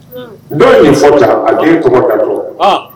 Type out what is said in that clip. Dɔw min fɔ ta a jiri kɔ ka dɔrɔn